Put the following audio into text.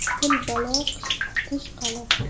til balo tish qal'a